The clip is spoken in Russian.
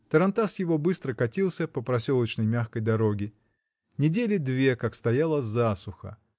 Тарантас его быстро катился по проселочной мягкой дороге. Недели две как стояла засуха